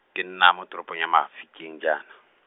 ke nna mo toropong ya Mafikeng jaana.